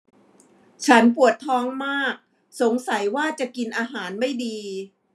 ฉันปวดท้องมากสงสัยว่าจะกินอาหารไม่ดี